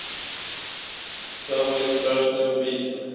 самые страшные убийства